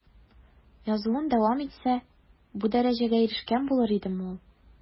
Язуын дәвам итсә, бу дәрәҗәгә ирешкән булыр идеме ул?